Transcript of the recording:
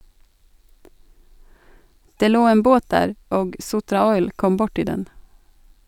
- Det lå en båt der, og "Sotraoil" kom borti den.